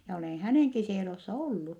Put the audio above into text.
ja olen hänenkin sielossa ollut